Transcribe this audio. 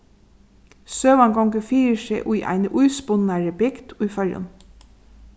søgan gongur fyri seg í eini íspunnari bygd í føroyum